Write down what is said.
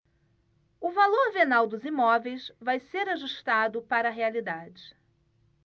o valor venal dos imóveis vai ser ajustado para a realidade